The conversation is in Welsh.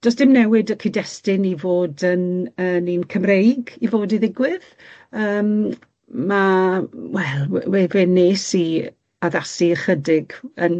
Do's dim newid y cyd-destun i fod yn yn un Cymreig i fod i ddigwydd yym ma' wel we- we- fe wnes i addasu ychydig yn